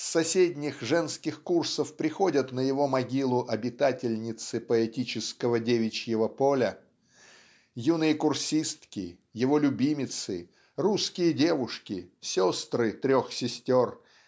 с соседних Женских Курсов приходят на его могилу обитательницы поэтического Девичьего Поля юные курсистки его любимицы русские девушки сестры трех сестер